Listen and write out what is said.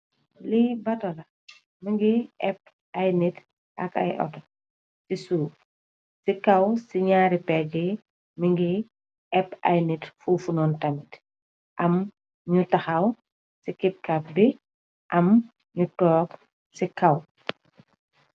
Li baatu la mogi am ay nitt ak ay auto si suuf si kaw si naari pega yi mogi eep ay nitt fofu nonu tamit am nyu tahaw si kipcap bi am nyu tog si kaw.